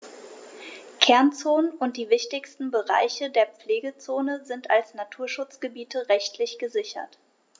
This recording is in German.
Kernzonen und die wichtigsten Bereiche der Pflegezone sind als Naturschutzgebiete rechtlich gesichert.